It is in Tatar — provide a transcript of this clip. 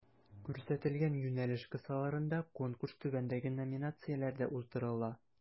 Күрсәтелгән юнәлеш кысаларында Конкурс түбәндәге номинацияләрдә уздырыла: